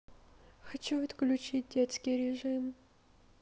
хочу отключить детский режим